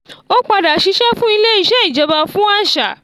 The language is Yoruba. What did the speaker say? Ó padà ṣiṣẹ́ fún Ilé-iṣẹ́ Ìjọba fún Àṣà.